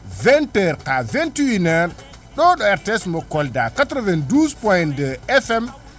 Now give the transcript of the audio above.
20 heures à 21 heures ɗo mo RTS mo Kolda 92 POINT 2 FM